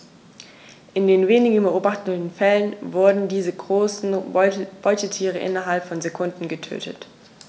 In den wenigen beobachteten Fällen wurden diese großen Beutetiere innerhalb von Sekunden getötet.